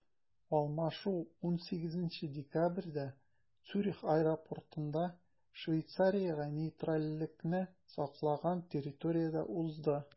Алмашу 18 декабрьдә Цюрих аэропортында, Швейцариягә нейтральлекне саклаган территориядә узды.